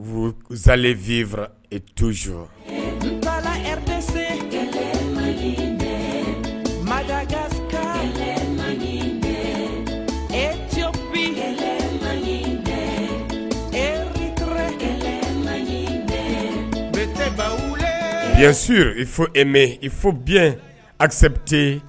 Wuzalifa e to e esiw i fo e mɛn i fo bi asɛpte